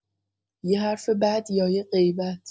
یه حرف بد یا یه غیبت